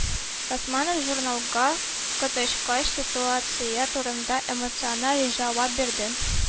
Госманов журналга коточкыч ситуация турында эмоциональ җавап бирде.